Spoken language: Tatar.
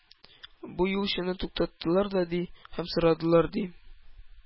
Бу юлчыны туктаттылар да, ди, һәм сорадылар, ди: